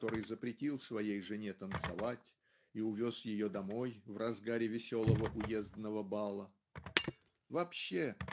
который запретил своей жене танцевать и увез ее домой в разгаре веселого уездного бала. Вообще